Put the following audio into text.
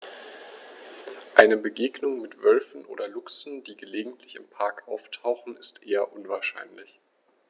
Eine Begegnung mit Wölfen oder Luchsen, die gelegentlich im Park auftauchen, ist eher unwahrscheinlich.